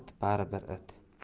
it bari bir it